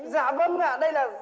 dạ vâng ạ đây là